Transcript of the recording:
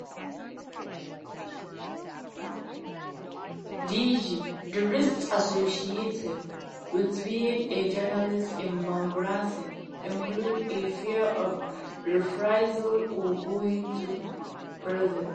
DG: The risks associated with being a journalist in Madagascar include a fear of reprisals or going to prison.